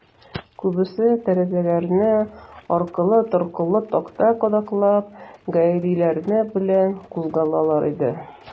Күбесе, тәрәзәләренә аркылы-торкылы такта кадаклап, гаиләләре белән кузгалалар иде.